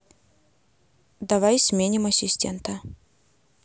давай сменим ассистента